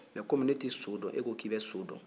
mɛ komi ne tɛ so dɔn e ko i bɛ so dɔn